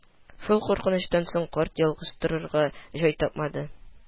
Шул куркынычтан соң карт ялгыз торырга җай тапмады